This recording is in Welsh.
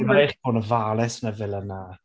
Ma' raid i chi fod yn ofalus yn y villa 'na.